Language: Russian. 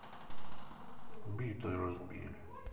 битой разбили